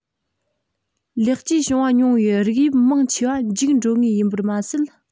ལེགས བཅོས བྱུང བ ཉུང བའི རིགས དབྱིབས མང ཆེ བ འཇིག འགྲོ ངེས ཡིན པ མ ཟད